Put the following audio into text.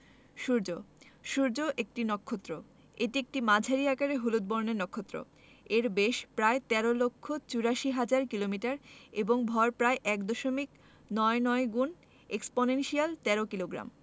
সূর্য সূর্য একটি নক্ষত্র এটি একটি মাঝারি আকারের হলুদ বর্ণের নক্ষত্র এর ব্যাস প্রায় ১৩ লক্ষ ৮৪ হাজার কিলোমিটার এবং ভর প্রায় ১.৯৯X১০১৩ কিলোগ্রাম